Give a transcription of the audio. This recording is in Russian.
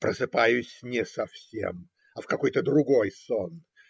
Просыпаюсь не совсем, а в какой-то другой сон.